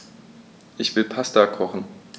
Ich will Pasta kochen.